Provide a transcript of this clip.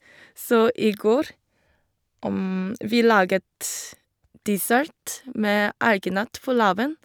Så i går, vi laget dessert med alginat på laben.